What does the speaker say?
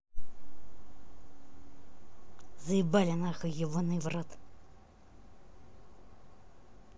заебали нахуй ебаный в рот